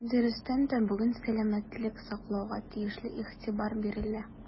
Дөрестән дә, бүген сәламәтлек саклауга тиешле игътибар бирелә.